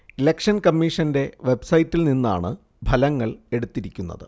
election കമ്മീഷന്റെ web സൈറ്റിൽ നിന്നാണ് ഫലങ്ങൾ എടുത്തിരിക്കുന്നത്